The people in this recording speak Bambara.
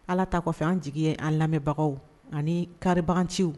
Ala ta kɔfɛ an jigi ye an lamɛnbagaw ani karibagaciw